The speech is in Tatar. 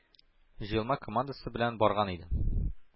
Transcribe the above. Җыелма командасы белән барган иде.